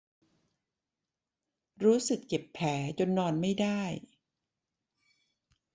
รู้สึกเจ็บแผลจนนอนไม่ได้